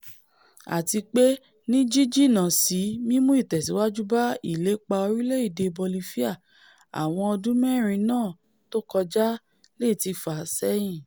Àtipé ní jíjìnnà sí mímú ìtẹ̵̀síwájú bá ìlépa orílẹ̀-èdè Bolifia, àwọn ọdún mẹ́rin náà tókọjá leè ti fà á sẹ́yìn.